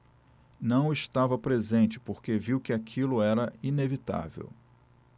não estava presente porque viu que aquilo era inevitável